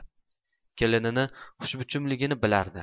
kelinini xushbichimligini bilardi